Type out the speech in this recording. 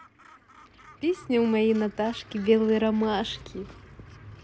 песня у моей наташки белые ромашки